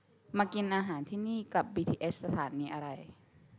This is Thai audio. มากินอาหารที่นี่กลับบีทีเอสสถานีอะไร